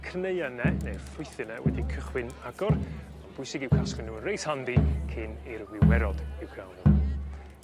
cneuyne neu'r ffrwythyne wedi cychwyn agor ma'n bwysig i'w casglu n'w reit handi cyn i'r wiwerod i'w ca'l n'w.